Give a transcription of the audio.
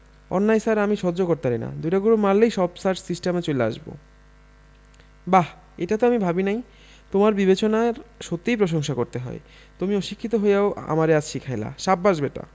অন্যায় ছার আমি সহ্য করতারিনা দুইডা গরু মারলেই ছার সব সিস্টামে চইলা আসবো বাহ এইটা তো আমি ভাবিনাই তোমার বিবেচনার সত্যিই প্রশংসা করতে হয় তুমি অশিক্ষিতো হইয়াও আমারে আজ শিখাইলা সাব্বাস ব্যাটা